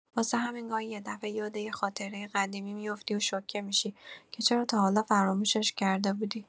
واسه همین گاهی یه دفعه یاد یه خاطره قدیمی می‌افتی و شوکه می‌شی که چرا تا حالا فراموشش کرده بودی.